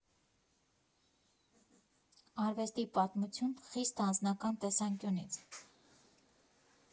Արվեստի պատմություն՝ խիստ անձնական տեսանկյունից։